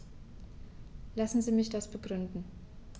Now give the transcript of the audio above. Lassen Sie mich das begründen.